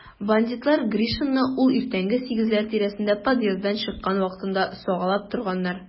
Бандитлар Гришинны ул иртәнге сигезләр тирәсендә подъезддан чыккан вакытында сагалап торганнар.